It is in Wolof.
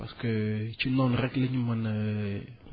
parce que ci noonu rekk la ñu mën a